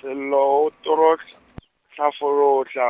Sello o torot- hlaforohla,